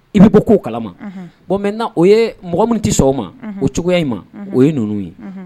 I bɛ bɔ k'o kalama bon mɛ o ye mɔgɔ min tɛ ma o cogoya in ma o ye ninnu ye